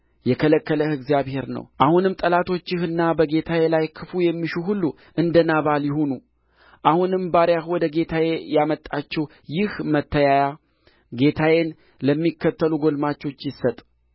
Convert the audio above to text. የከለከለህ እግዚአብሔር ነው አሁንም ጠላቶችህና በጌታዬ ላይ ክፉ የሚሹ ሁሉ እንደ ናባል ይሁኑ አሁንም ባሪያህ ወደ ጌታዬ ያመጣችው ይህ መተያያ ጌታዬን ለሚከተሉ ጕልማሶች ይሰጥ